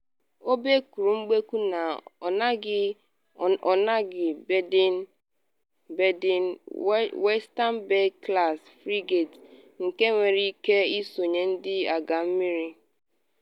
O bekuru mbeku na ọ nweghị Baden-Wuerttemberg-class frigate nke nwere ike isonye Ndị Agha Mmiri.